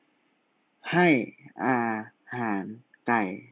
ให้อาหารไก่